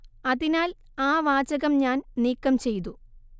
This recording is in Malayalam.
അതിനാൽ ആ വാചകം ഞാൻ നീക്കം ചെയ്തു